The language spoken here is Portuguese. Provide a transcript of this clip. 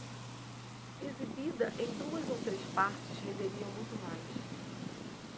exibida em duas ou três partes renderia muito mais